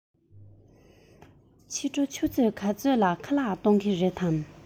ཕྱི དྲོ ཆུ ཚོད ག ཚོད ལ ཁ ལག གཏོང གི རེད པས